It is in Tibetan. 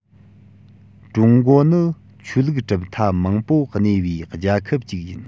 ཀྲུང གོ ནི ཆོས ལུགས གྲུབ མཐའ མང པོ གནས པའི རྒྱལ ཁབ ཅིག ཡིན